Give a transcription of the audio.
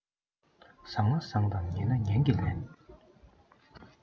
བཟང ན བཟང དང ངན ན ངན གྱི ལན